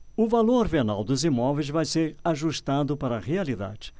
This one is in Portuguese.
o valor venal dos imóveis vai ser ajustado para a realidade